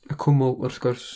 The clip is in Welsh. Y cwmwl, wrth gwrs.